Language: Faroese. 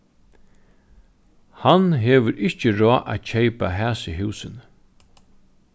hann hevur ikki ráð at keypa hasi húsini